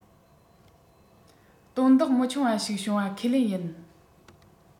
དོན དག མི ཆུང བ ཞིག བྱུང བ ཁས ལེན ཡིན